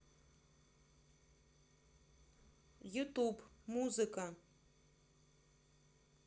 ютуб музыка